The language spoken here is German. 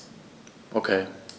Okay.